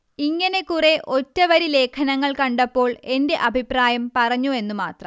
ഇങ്ങനെ കുറെ ഒറ്റവരി ലേഖനങ്ങൾ കണ്ടപ്പോൾ എന്റെ അഭിപ്രായം പറഞ്ഞു എന്നു മാത്രം